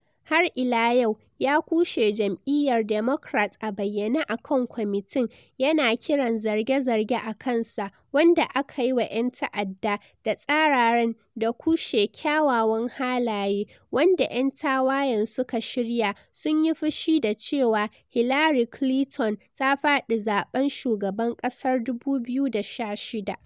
Har ila yau, ya kushe jam'iyyar Democrat a bayyane akan kwamitin, yana kiran zarge-zarge a kansa "wanda aka yi wa' yan ta'adda, da tsararren dakushe kyawawan halaye", wanda' yan tawayen suka shirya, sun yi fushi da cewa, Hillary Clinton ta fadi zaben shugaban kasar 2016.